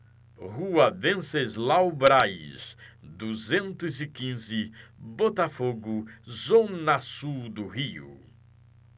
rua venceslau braz duzentos e quinze botafogo zona sul do rio